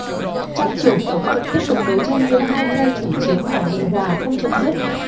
trong triều tống vẫn tiếp tục đấu tranh giữa hai phe chủ chiến và nghị hòa không chấm dứt